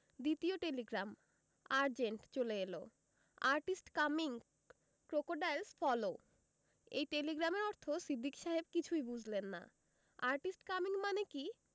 দ্বিতীয় telegram urgent চলে এল আর্টিস্ট কামিং. ক্রোকোডাইলস ফলো' এই টেলিগ্রামের অর্থ সিদ্দিক সাহেব কিছুই বুঝলেন না আর্টিস্ট কামিং মানে কি